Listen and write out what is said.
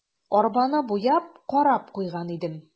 Арбаны буяп, карап куйган идем.